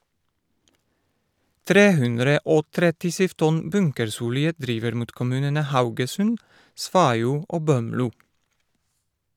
337 tonn bunkersolje driver mot kommunene Haugesund, Sveio og Bømlo.